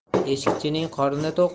eshikchining qorni to'q